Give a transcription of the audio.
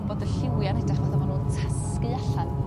bod y lliwia'n edrych fatha fo nw'n tasgu allan